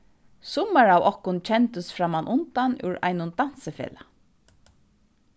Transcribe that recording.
summar av okkum kendust frammanundan úr einum dansifelag